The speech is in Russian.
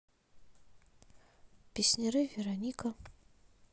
песняры вероника